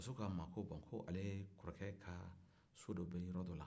muso k'a ma ko bon k'ale kɔrɔkɛ ka so dɔ bɛ yɔrɔ dɔ la